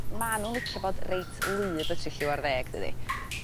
ma' nw'n licio bod reit wlyb y trilliw ar ddeg dydi?